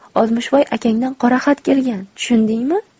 oltmishvoy akangdan qoraxat kelgan tushundingmi